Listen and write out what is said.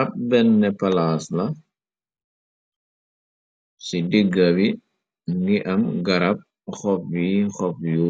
Ab benn palaas la ci digga bi ni am garab xob yi xob yu